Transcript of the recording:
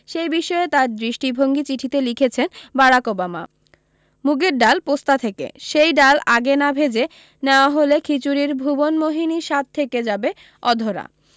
সেই বিষয়ে তাঁর দৃষ্টিভঙ্গী চিঠিতে লিখেছেন বারাক ওবামা মুগের ডাল পোস্তা থেকে সেই ডাল আগে না ভেজে নেওয়া হলে খিচুড়ির ভুবনমোহিনী স্বাদ থেকে যাবে অধরা